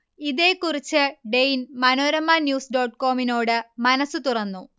ഇതേക്കുറിച്ച് ഡെയ്ൻ മനോരമ ന്യൂസ് ഡോട്ട്കോമിനോട് മനസ് തുറന്നു